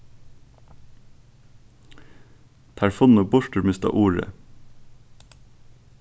teir funnu burturmista urið